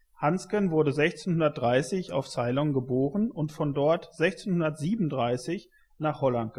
Hansken wurde 1630 auf Ceylon geboren und von dort 1637 nach Holland